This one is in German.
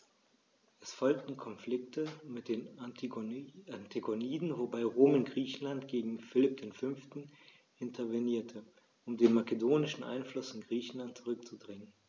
Es folgten Konflikte mit den Antigoniden, wobei Rom in Griechenland gegen Philipp V. intervenierte, um den makedonischen Einfluss in Griechenland zurückzudrängen.